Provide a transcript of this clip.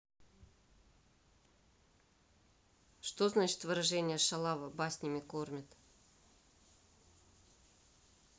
что значит выражение шалава баснями кормят